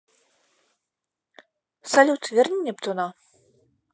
салют верни нептуна